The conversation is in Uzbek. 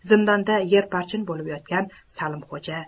zindonda yerparchin bo'lib yotgan salimxo'ja